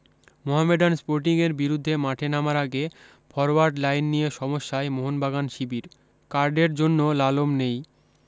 মোহামেডান স্পোর্টিংয়ের বিরুদ্ধে মাঠে নামার আগে ফরোয়ার্ড লাইন নিয়ে সমস্যায় মোহনবাগান শিবির কার্ডের জন্য লালম নেই